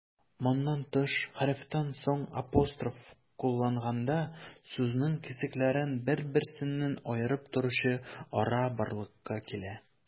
Моннан тыш, хәрефтән соң апостроф кулланганда, сүзнең кисәкләрен бер-берсеннән аерып торучы ара барлыкка килә.